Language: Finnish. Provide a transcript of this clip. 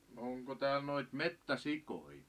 no onko täällä noita metsäsikoja